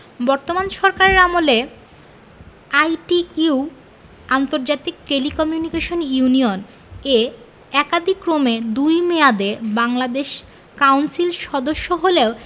বর্তমান সরকারের আমলে আইটিইউ আন্তর্জাতিক টেলিকমিউনিকেশন ইউনিয়ন এ একাদিক্রমে দুই মেয়াদে বাংলাদেশ কাউন্সিল সদস্য হলেও